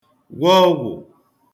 gwọ ọgwụ